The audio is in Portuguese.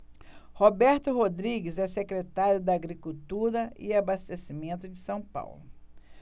roberto rodrigues é secretário da agricultura e abastecimento de são paulo